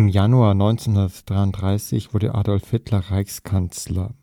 Januar 1933 wurde Adolf Hitler Reichskanzler